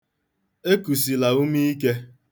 Ekusila ume ike.